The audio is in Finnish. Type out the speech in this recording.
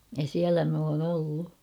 ja siellä minä olen ollut